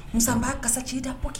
Muba kasa ci da kɛ